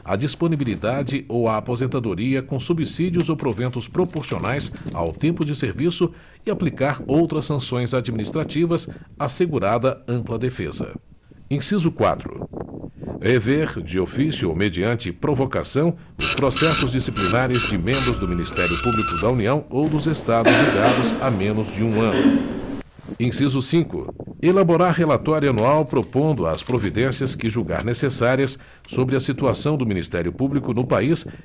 a disponibilidade ou a aposentadoria com subsídios ou proventos proporcionais ao tempo de serviço e aplicar outras sanções administrativas assegurada ampla defesa inciso quatro rever de ofício ou mediante provocação os processos disciplinares de membros do ministério público da união ou dos estados julgados há menos de um ano inciso cinco elaborar relatório anual propondo as providências que julgar necessárias sobre a situação do ministério público no país